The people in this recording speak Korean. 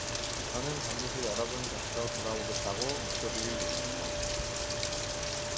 저는 반드시 여러분 곁으로 돌아오겠다고 목소리를 높였다